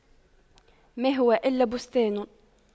ما هو إلا بستان